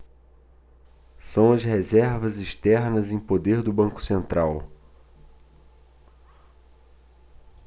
são as reservas externas em poder do banco central